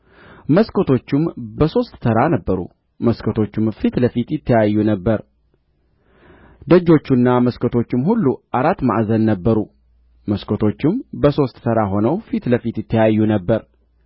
መስኮቶቹም በሦስት ተራ ነበሩ መስኮቶቹም ፊት ለፊት ይተያዩ ነበር ደጆቹና መስኮቶቹም ሁሉ አራት ማዕዘን ነበሩ መስኮቶቹም በሦስት ተራ ሆነው ፊት ለፊት ይተያዩ ነበር